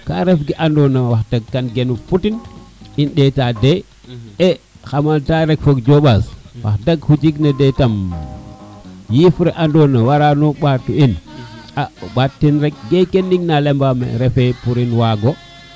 ka ref ke ando na wax deg kam no puting in ɗeta de e xamal ta rek fog jobaas wax deg xu jeg na de tam yiif le ando na wara no ɓata in o ɓaatin rek ke li ma mene refe pour im waago